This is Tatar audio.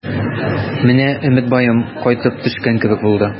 Менә Өметбаем кайтып төшкән кебек булды.